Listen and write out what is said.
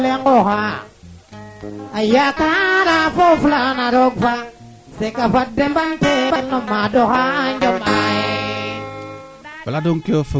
to kee refna bug bug den xana lalin saaxle saaxle it a ndeeta nga baa ande kene o njiriñ denoo rek a mbaaga o ndam teeen parce que projet ke en generale munde ngarna rek o njiriñ saate fe a yoombu ref axa